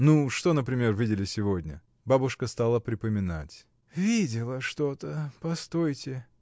— Ну что, например, видели сегодня? Бабушка стала припоминать. — Видела что-то, постойте.